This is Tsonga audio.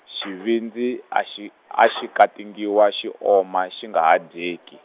xivindzi a xi a xi katingiwa xi oma xi nga ha dyeki.